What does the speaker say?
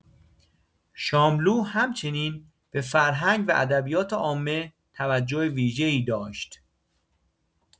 شاملو همچنین به فرهنگ و ادبیات عامه توجه ویژه‌ای داشت.